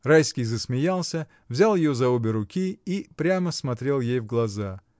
Райский засмеялся, взял ее за обе руки и прямо смотрел ей в глаза.